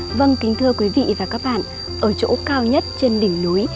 vâng kính thưa quý vị và các bạn ở chỗ cao nhất trên đỉnh núi